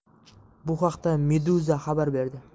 bu haqda meduza xabar berdi